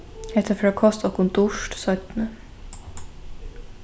hetta fer at kosta okkum dýrt seinni